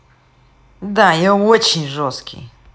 да я очень жестокий